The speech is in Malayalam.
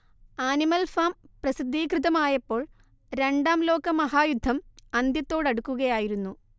ആനിമൽ ഫാം പ്രസിദ്ധീകൃതമായപ്പോൾ രണ്ടാം ലോകമഹായുദ്ധം അന്ത്യത്തോടടുക്കുകയായിരുന്നു